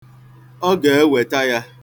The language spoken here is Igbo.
Ọ ga-eweta ya.